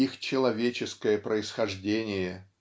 их человеческое происхождение.